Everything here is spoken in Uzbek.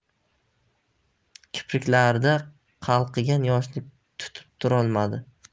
kipriklarida qalqigan yoshni tutib turolmadi